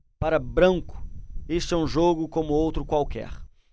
para branco este é um jogo como outro qualquer